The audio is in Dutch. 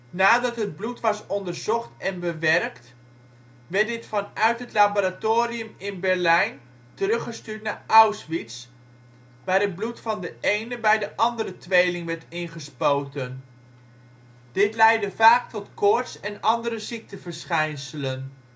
Nadat het bloed was onderzocht en bewerkt, werd dit vanuit het laboratorium in Berlijn teruggestuurd naar Auschwitz, waar het bloed van de ene bij de andere tweeling werd ingespoten. Dit leidde vaak tot koorts en andere ziekteverschijnselen